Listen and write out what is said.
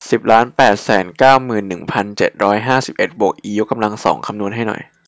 สิบล้านแปดแสนเก้าหมื่นหนึ่งพันเจ็ดร้อยห้าสิบเอ็ดบวกอียกกำลังสองคำนวณให้หน่อย